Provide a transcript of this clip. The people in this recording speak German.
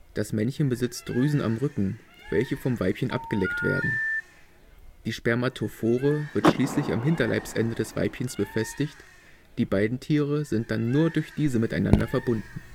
Das Männchen besitzt Drüsen am Rücken, welche vom Weibchen abgeleckt werden. Die Spermatophore wird schließlich am Hinterleibsende des Weibchens befestigt, die beiden Tiere sind dann nur durch diese miteinander verbunden